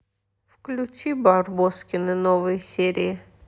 включи барбоскины новые серии